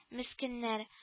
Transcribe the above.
Мескеннәр